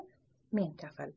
men kafil